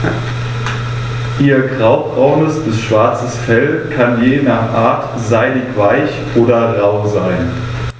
Ihr graubraunes bis schwarzes Fell kann je nach Art seidig-weich oder rau sein.